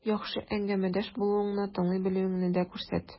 Яхшы әңгәмәдәш булуыңны, тыңлый белүеңне дә күрсәт.